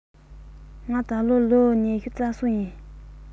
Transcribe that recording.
ང ད ལོ ལོ ཉི ཤུ རྩ གསུམ ཡིན